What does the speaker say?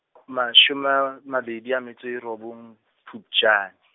mashome a mabedi a metso e robong, Phupjane.